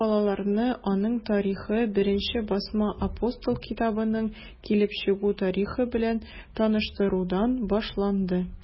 Бәйрәм балаларны аның тарихы, беренче басма “Апостол” китабының килеп чыгу тарихы белән таныштырудан башланды.